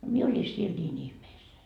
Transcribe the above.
minä olin siellä niin ihmeessäni